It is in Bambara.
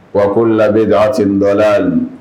Ga ko labɛn don a sen dɔ lali